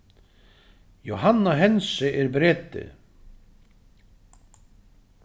jóhanna hentze er breti